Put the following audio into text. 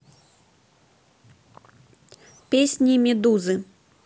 песни медузы